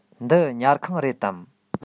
འདི ཉལ ཁང རེད དམ